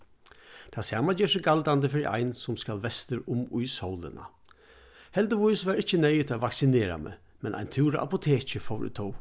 tað sama ger seg galdandi fyri ein sum skal vestur um í sólina heldigvís var ikki neyðugt at vaksinera meg men ein túr á apotekið fór eg tó